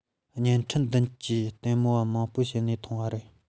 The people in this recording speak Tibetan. བརྙན འཕྲིན མདུན གྱི ལྟད མོ བ མང པོ བཤད ནས མཐོང པ ཡིན